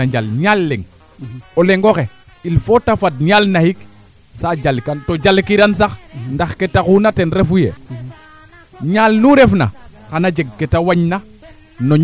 ne ley oonga ten mene rek a jega waa ando naye a tayla moofa tana ax naange tana axo yo to yaago a tan ax aka jeg solo aka jeg solo